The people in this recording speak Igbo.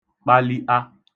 kpali(t'a)